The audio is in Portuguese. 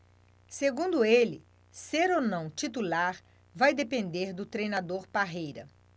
segundo ele ser ou não titular vai depender do treinador parreira